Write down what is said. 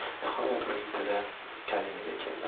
nihoyat uning tili kalimaga keldi